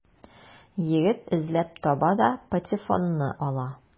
Егет эзләп таба да патефонны ала.